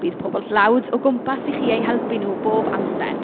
Bydd pobl dlawd o gwmpas i chi eu helpu nhw bob amser.